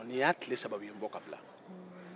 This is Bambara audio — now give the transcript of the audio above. nin y'a tile saba ye u ye n bɔ ka bila